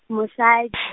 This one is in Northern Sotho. mosa .